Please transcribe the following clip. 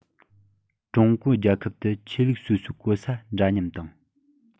ཀྲུང གོ རྒྱལ ཁབ ཏུ ཆོས ལུགས སོ སོའི གོ ས འདྲ མཉམ དང